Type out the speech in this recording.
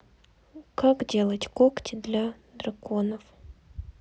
как делать когти для драконов